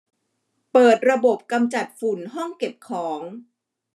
เปิดระบบกำจัดฝุ่นห้องเก็บของ